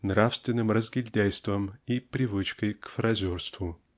нравственным разгильдяйством и привычкой к фразерству.